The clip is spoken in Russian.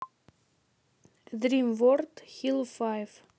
дрим ворлд хилл файв